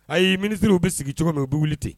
Ayi ministres bi sigi cogo min u bi wuli ten.